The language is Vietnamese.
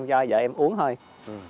cho vợ em uống thôi